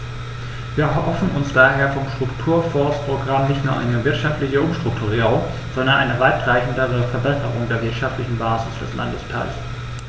Wir erhoffen uns daher vom Strukturfondsprogramm nicht nur eine wirtschaftliche Umstrukturierung, sondern eine weitreichendere Verbesserung der wirtschaftlichen Basis des Landesteils.